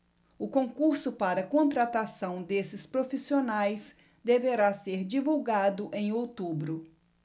o concurso para contratação desses profissionais deverá ser divulgado em outubro